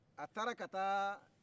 a taara ka taa